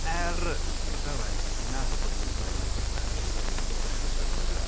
Er fel wedais i fi'n meddwl bod nhw dau'n like jest yn like dechrau sgriptio fe.